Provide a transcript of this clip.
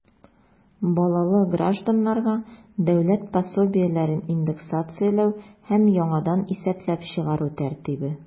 Балалы гражданнарга дәүләт пособиеләрен индексацияләү һәм яңадан исәпләп чыгару тәртибе.